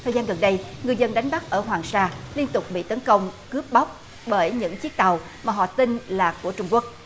thời gian gần đây ngư dân đánh bắt ở hoàng sa liên tục bị tấn công cướp bóc bởi những chiếc tàu mà họ tin là của trung quốc